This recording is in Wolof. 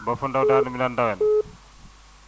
Bafou Ndao Darou Minam Ndaween